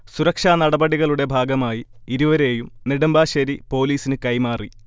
സുരക്ഷാ നടപടികളുടെ ഭാഗമായി ഇരുവരെയും നെടുമ്പാശേരി പൊലീസിന് കൈമാറി